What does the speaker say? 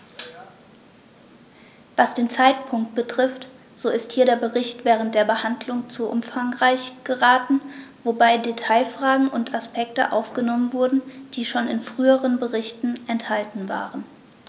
Was den Zeitpunkt betrifft, so ist hier der Bericht während der Behandlung zu umfangreich geraten, wobei Detailfragen und Aspekte aufgenommen wurden, die schon in früheren Berichten enthalten waren.